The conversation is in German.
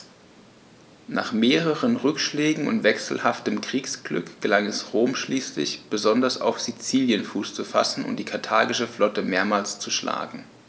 Nach mehreren Rückschlägen und wechselhaftem Kriegsglück gelang es Rom schließlich, besonders auf Sizilien Fuß zu fassen und die karthagische Flotte mehrmals zu schlagen.